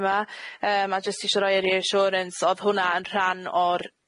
yma yym a jyst isho roi yr riashwryns o'dd hwnna yn rhan o'r